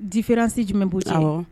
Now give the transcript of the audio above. Difirasi jumɛn bɛ bon